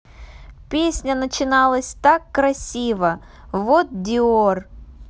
песня начиналась так красиво вот dior